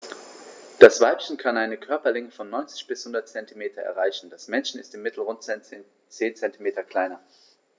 Das Weibchen kann eine Körperlänge von 90-100 cm erreichen; das Männchen ist im Mittel rund 10 cm kleiner.